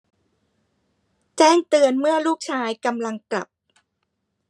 แจ้งเตือนเมื่อลูกชายกำลังกลับ